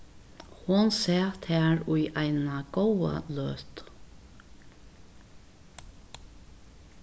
hon sat har í eina góða løtu